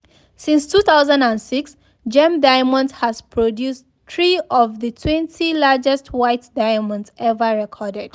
Since 2006, Gem Diamonds has produced three of the 20 largest white diamonds ever recorded.